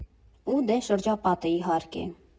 Ու, դե՜, շրջապատը, իհարկե՛։